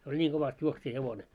se oli niin kovasti juoksijahevonen